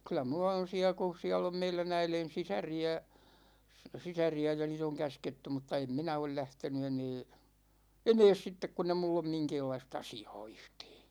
kyllä minulla on siellä kun siellä on meidän äidin sisaria sisaria ja niitä on käsketty mutta en minä ole lähtenyt enää enää sitten kun ei minulla ole minkäänlaista asiaa yhtään